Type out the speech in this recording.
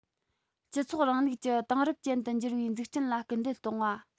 སྤྱི ཚོགས རིང ལུགས ཀྱི དེང རབས ཅན དུ འགྱུར བའི འཛུགས སྐྲུན ལ སྐུལ འདེད གཏོང བ